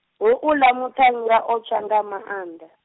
houḽa muṱhannga u tswa nga manda.